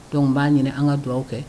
Dɔnku b'a ɲini an ka dugawu kɛ